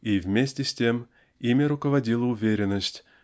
и вместе с тем ими руководила уверенность